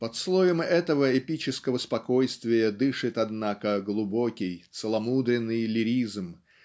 Под слоем этого эпического спокойствия дышит однако глубокий целомудренный лиризм